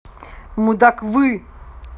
мудаквы